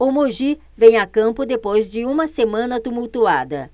o mogi vem a campo depois de uma semana tumultuada